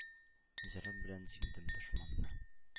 Җырым белән җиңдем дошманны.